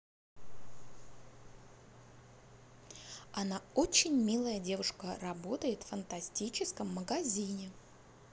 она очень милая девушка работает в фантастическом магазине